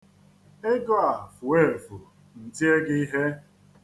Ego a fuo efu, m tie gị ihe.